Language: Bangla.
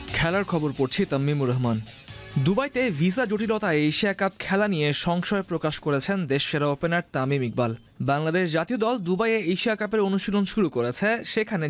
খেলার খবর পড়ছি তামিমুল রহমান দুবাইতে ভিসা জটিলতায় এশিয়া কাপ খেলা নিয়ে সংশয় প্রকাশ করেছেন দেশ সেরা ওপেনার তামিম ইকবাল বাংলাদেশ জাতীয় দল দুবাইয়ে এশিয়া কাপের অনুশীলন শুরু করেছে সেখানে